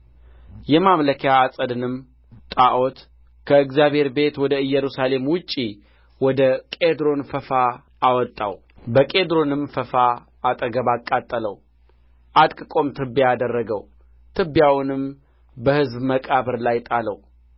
የማምለኪያ ዐፀድንም ጣዖት ከእግዚአብሔር ቤት ወደ ኢየሩሳሌም ውጭ ወደ ቄድሮን ፈፋ አወጣው በቄድሮንም ፈፋ አጠገብ አቃጠለው አድቅቆም ትቢያ አደረገው ትቢያውንም በሕዝብ መቃብር ላይ ጣለው